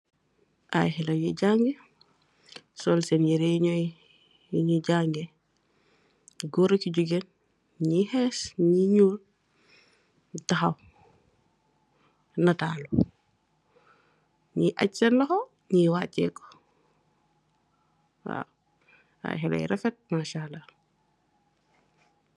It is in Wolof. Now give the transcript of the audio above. Aye halleh yuy jangi, sol seen yireh yunyii jangee, yu goor ak yu jigain, nyii hees, nyii nyul, nyu tahaw nataalu, nyii ach seen loho, nyii wachee ko, waaw, ay halleh yu rafet, mashaAllah.